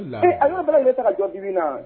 Ee la, e a yɔrɔ bɛɛ lajɛlen ta ka jɔ bi-bi in na